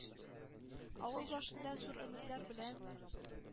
Авыл башында зур өметләр белән